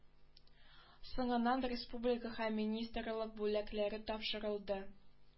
Соңыннан республика һәм министрлык бүләкләре тапшырылды